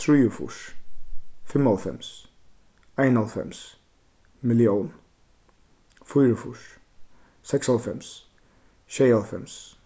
trýogfýrs fimmoghálvfems einoghálvfems millión fýraogfýrs seksoghálvfems sjeyoghálvfems